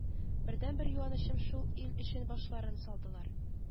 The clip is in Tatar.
Бердәнбер юанычым шул ил өчен башларын салдылар